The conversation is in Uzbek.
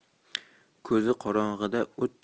ko'zi qorong'ida o'tdek